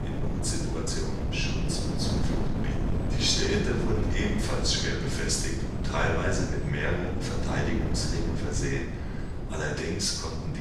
Notsituationen Schutz und Zuflucht bieten. Die Städte wurden ebenfalls schwer befestigt und teilweise mit mehreren Verteidigungsringen versehen. Allerdings konnten